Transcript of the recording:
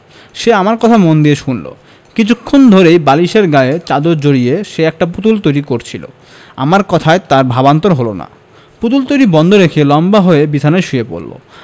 সে আমার কথা মন দিয়ে শুনলো কিছুক্ষণ ধরেই বালিশের গায়ে চাদর জড়িয়ে সে একটা পুতুল তৈরি করছিলো আমার কথায় তার ভাবান্তর হলো না পুতুল তৈরী বন্ধ রেখে লম্বা হয়ে বিছানায় শুয়ে পড়লো